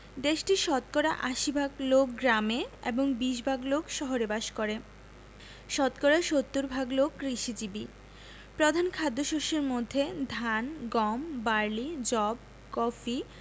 দেশটির শতকরা ৮০ ভাগ লোক গ্রামে এবং ২০ ভাগ লোক শহরে বাস করেশতকরা ৭০ ভাগ লোক কৃষিজীবী প্রধান খাদ্যশস্যের মধ্যে ধান গম বার্লি যব কফি